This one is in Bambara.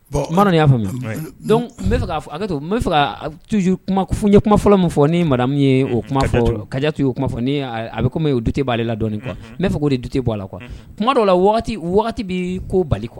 Bon bamananw y'a faamuya n fɛ to n bɛ fɛ tu f ye kuma fɔlɔ fɔ ni ma min ye o kuma fɔ katu y' o kuma fɔ a bɛ komi dute b'aale la dɔn n bɛa fɔ o dute bɔ a la qu kuwa kuma dɔ la bɛ' ko bali kuwa